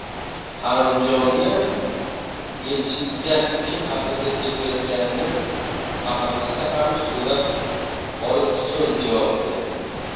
halimjonmi elchin gap kim haqida ketayotganini fahmlasa ham so'rab olib so'ng javob berdi